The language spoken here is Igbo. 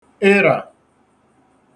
ịrà